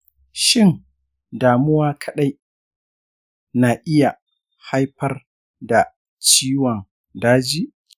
shin damuwa kaɗai na iya haifar da ciwon daji?